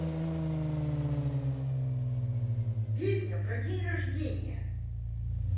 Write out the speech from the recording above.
песня про день рождения